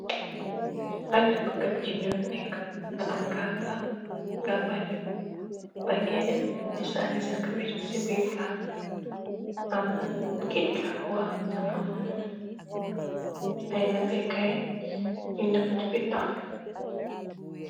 Ay tappakat jiir nur nekk nga am galg bà ngee dem ni stanni sa nga mes ci biir gaalga am géej ga wa nga ay napeekaay ñuy nappa ci bi ndoxga.